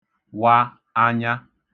wa anyā